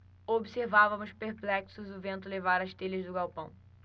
observávamos perplexos o vento levar as telhas do galpão